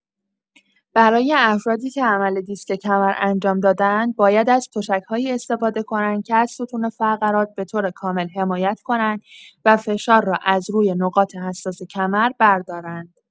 برای افرادی که عمل دیسک کمر انجام داده‌اند، باید از تشک‌هایی استفاده کنند که از ستون فقرات به‌طور کامل حمایت کنند و فشار را از روی نقاط حساس کمر بردارند.